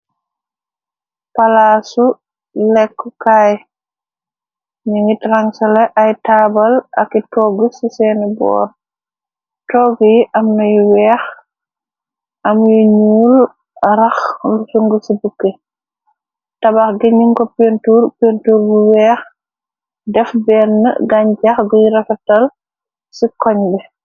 Palaasu lekkukaay ni ngit rangsale ay taabal aki togg ci seeni boor, togg yi am nayu weex , am yu ñuul rax ltung ci bukki , tabax gi niñ ko r pintur gu weex def benn gañ jax guy refetal ci koñ bi.